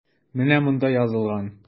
Менә монда язылган.